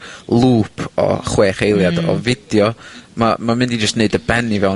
lŵp o chwech eiliad... Hmm. ..o fideo. Ma' ma'n mynd i jyst neud dy ben i fewn